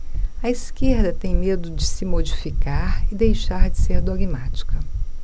a esquerda tem medo de se modificar e deixar de ser dogmática